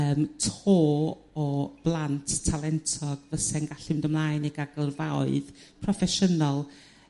yrm to o blant talentog fyse'n gallu mynd ymlaen i ga'l gylfaoedd proffesiynol.